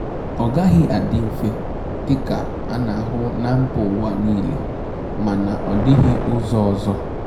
Ọgaghị adị mfe dịka a na-ahụ na mbaụwa niile, mana ọdịghị ụzọ ọzọ.